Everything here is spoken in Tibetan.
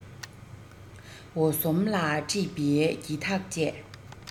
འོ ཟོམ ལ དཀྲིས པའི སྒྱིད ཐག བཅས